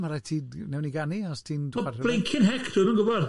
Ma' raid ti- wnawn ni ganu os ti'n... Blincin hec, dwi'm yn gwybod!